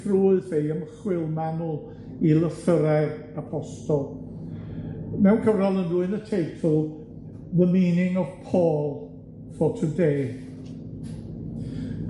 ffrwyth ei ymchwil manwl i lythyrau'r Apostol, mewn cyfrol yn dwyn y teitl The Meaning of Paul for Today.